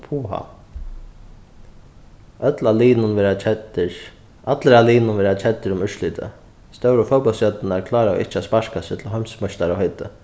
puha øll á liðnum verða keddir allir á liðnum verða keddir um úrslitið stóru fótbóltsstjørnurnar kláraðu ikki at sparka seg til heimsmeistaraheitið